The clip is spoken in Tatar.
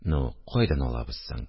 – ну кайдан алабыз соң